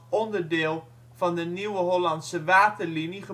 onderdeel van de Nieuwe Hollandse Waterlinie